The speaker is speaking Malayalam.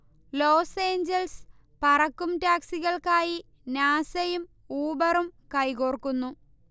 ലോസ് ഏഞ്ചൽസ് പറക്കും ടാക്സികൾക്കായി നാസയും ഊബറും കൈകോർക്കുന്നു